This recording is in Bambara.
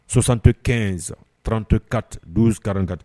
75 34 12 44